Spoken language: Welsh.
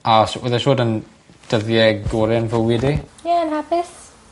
A os... Odd e siŵrd yn dyddie gore'n fywyd i. Ie'n hapus.